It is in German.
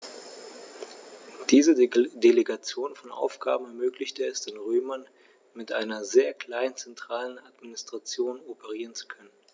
Diese Delegation von Aufgaben ermöglichte es den Römern, mit einer sehr kleinen zentralen Administration operieren zu können.